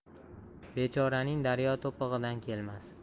bechoraning daryo to'pig'idan kelmas